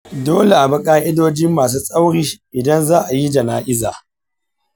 dole abi ka'idoji masu tsauri idan za'ayi jana'iza.